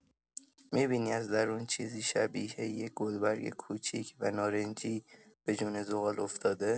می‌بینی از درون چیزی شبیه یه گلبرگ کوچیک و نارنجی، به جون زغال افتاده.